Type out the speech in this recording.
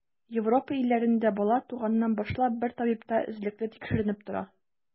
Европа илләрендә бала, туганнан башлап, бер табибта эзлекле тикшеренеп тора.